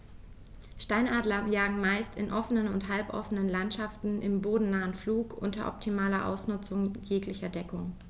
Steinadler jagen meist in offenen oder halboffenen Landschaften im bodennahen Flug unter optimaler Ausnutzung jeglicher Deckung.